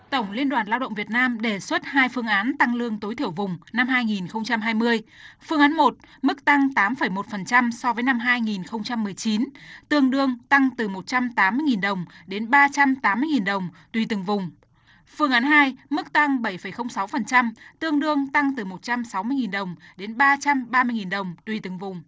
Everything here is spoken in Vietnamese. tổng liên đoàn lao động việt nam đề xuất hai phương án tăng lương tối thiểu vùng năm hai nghìn không trăm hai mươi phương án một mức tăng tám phẩy một phần trăm so với năm hai nghìn không trăm mười chín tương đương tăng từ một trăm tám mươi nghìn đồng đến ba trăm tám mươi nghìn đồng tùy từng vùng phương án hai mức tăng bảy phẩy không sáu phần trăm tương đương tăng từ một trăm sáu mươi nghìn đồng đến ba trăm ba mươi nghìn đồng tùy từng vùng